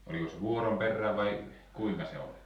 oliko se vuoron perään vai kuinka se oli